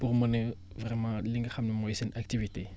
pour mën a vraiment li nga xam ne mooy seen activités